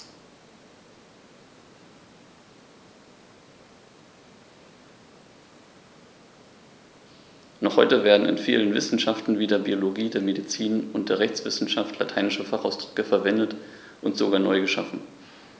Noch heute werden in vielen Wissenschaften wie der Biologie, der Medizin und der Rechtswissenschaft lateinische Fachausdrücke verwendet und sogar neu geschaffen.